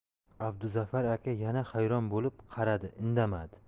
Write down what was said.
abduzafar aka yana hayron bo'lib qaradi indamadi